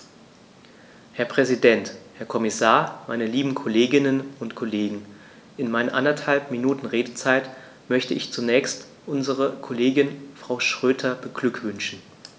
Herr Präsident, Herr Kommissar, meine lieben Kolleginnen und Kollegen, in meinen anderthalb Minuten Redezeit möchte ich zunächst unsere Kollegin Frau Schroedter beglückwünschen.